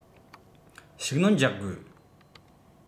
ཤུགས སྣོན རྒྱག དགོས